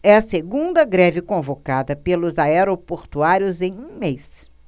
é a segunda greve convocada pelos aeroportuários em um mês